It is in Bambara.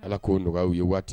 Ala k'o nɔgɔya o ye waati